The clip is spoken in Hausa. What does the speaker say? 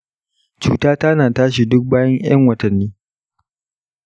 cutata na tashi duk bayan 'yan watanni.